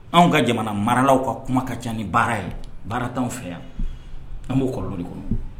Anw ka jamana maralaw ka kuma ka ca ni baara ye baara t’anw fɛ yan an b'o kɔlɔlɔ de kɔnɔ.